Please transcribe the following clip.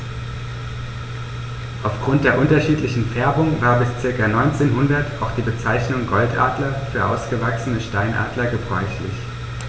Auf Grund der unterschiedlichen Färbung war bis ca. 1900 auch die Bezeichnung Goldadler für ausgewachsene Steinadler gebräuchlich.